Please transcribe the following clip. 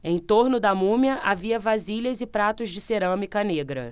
em torno da múmia havia vasilhas e pratos de cerâmica negra